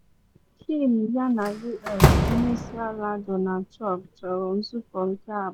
Kim yana U.S. Onye isi ala Donald Trump chọrọ nzụkọ nke abụọ.